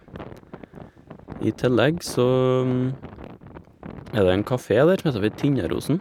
I tillegg så er det en kafé der, som heter for Tinnarosen.